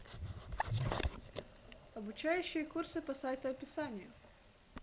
обучающие курсы по сайту описанию